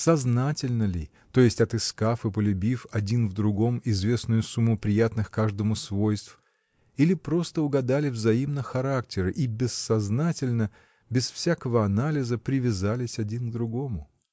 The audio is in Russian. Сознательно ли, то есть отыскав и полюбив один в другом известную сумму приятных каждому свойств, или просто угадали взаимно характеры и бессознательно, без всякого анализа, привязались один к другому?